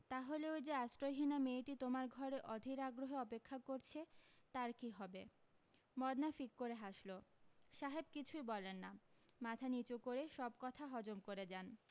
তাহলে ওই যে আশ্রয়হীনা মেয়েটি তোমার ঘরে অধীর আগ্রহে অপেক্ষা করছে তার কী হবে মদনা ফিক করে হাসলো সাহেব কিছুই বলেন না মাথা নীচু করে সব কথা হজম করে যান